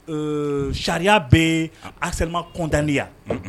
Ɛɛ Sariya bɛ harcèlement condamner yan.